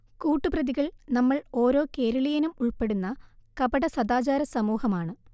കൂട്ടു പ്രതികൾ നമ്മൾ, ഓരോ കേരളീയനും ഉൾപ്പെടുന്ന കപടസദാചാരസമൂഹം ആണ്